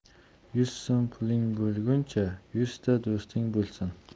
yuz so'm puling bo'lguncha yuzta do'sting bo'lsin